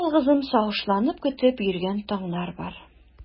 Берьялгызым сагышланып көтеп йөргән таңнар бар.